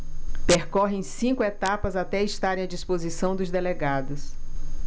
percorrem cinco etapas até estarem à disposição dos delegados